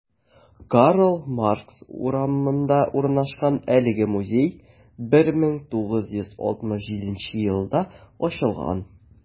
Карл Маркс урамында урнашкан әлеге музей 1967 елда ачылган.